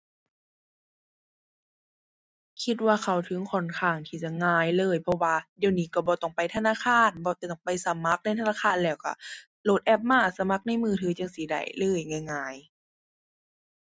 คิดว่าเข้าถึงค่อนข้างที่จะง่ายเลย เพราะว่าเดี๋ยวนี้ก็บ่ต้องไปธนาคาร บ่ ต้องไปสมัครในธนาคารแล้วก็ โหลดแอปมาสมัครในมือถือจั่งซี้ได้เลย ง่ายง่าย